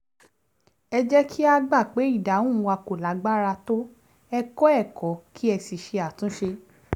Ẹ jẹ́ kí á gbà pé ìdáhùn wa kò lágbára tó, ẹ kọ́ ẹ̀kọ́ kí ẹ sì ṣe àtúnṣe.